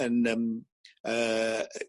'yn yym yy